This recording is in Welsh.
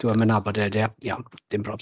Dyw e'm yn nabod e ydi e? Iawn dim probs.